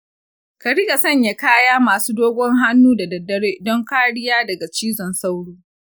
ka riƙa sanya kaya masu dogon hannu da daddare don kariya daga cizon sauro.